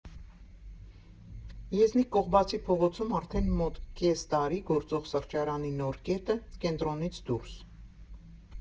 Եզնիկ Կողբացի փողոցում արդեն մոտ կես տարի գործող սրճարանի նոր կետը՝ Կենտրոնից դուրս։